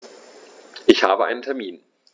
Ich habe einen Termin.